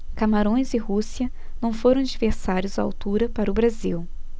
camarões e rússia não foram adversários à altura para o brasil